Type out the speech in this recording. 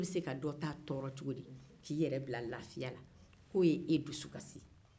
e bɛ se ka dɔ ta tɔɔrɔ cogo di k'i yɛrɛ bila lafiya la k'o ye e dusu kasi